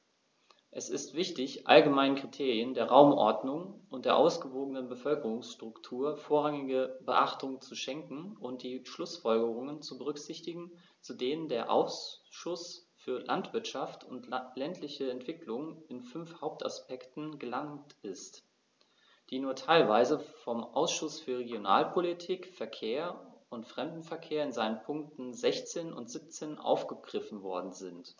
Es ist wichtig, allgemeinen Kriterien der Raumordnung und der ausgewogenen Bevölkerungsstruktur vorrangige Beachtung zu schenken und die Schlußfolgerungen zu berücksichtigen, zu denen der Ausschuss für Landwirtschaft und ländliche Entwicklung in fünf Hauptaspekten gelangt ist, die nur teilweise vom Ausschuss für Regionalpolitik, Verkehr und Fremdenverkehr in seinen Punkten 16 und 17 aufgegriffen worden sind.